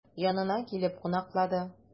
Янына килеп кунаклады.